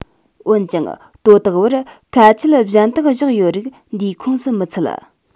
འོན ཀྱང དོ བདག བར ཁ ཆད གཞན དག བཞག ཡོད རིགས འདིའི ཁོངས སུ མི ཚུད